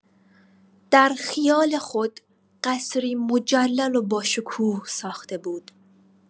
در خیال خود، قصری مجلل و باشکوه ساخته بود.